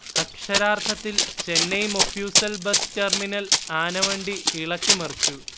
അക്ഷരാർഥത്തിൽ Chennai mofussil bus terminal ആനവണ്ടി ഇളക്കി മറിച്ചു